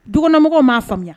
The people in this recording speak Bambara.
Dɔgɔnanamɔgɔ m'a faamuya